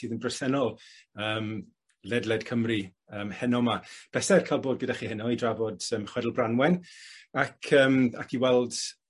sydd yn bresennol yym ledled Cymru yym heno 'ma. Bleser ca'l bod gyda chi heno i drafod yym chwedl Branwen ac yym ac i weld